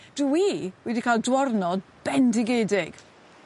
Dwi wedi ca'l dwyrnod bendigedig.